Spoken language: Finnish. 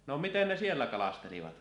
no miten ne siellä kalastelivat